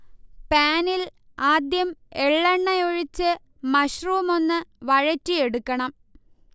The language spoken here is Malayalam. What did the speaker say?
പാനിൽ ആദ്യം എള്ളെണ്ണ ഒഴിച്ച് മഷ്റൂം ഒന്ന് വഴറ്റിയെടുക്കണം